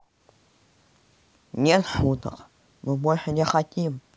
нет шуток мы больше не хотим